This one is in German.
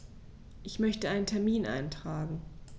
Ich möchte einen Termin eintragen.